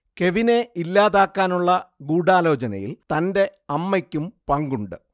കെവിനെ ഇല്ലാതാക്കാനുള്ള ഗൂഢാലോചനയിൽ തന്റെ അമ്മയ്ക്കും പങ്കുണ്ട്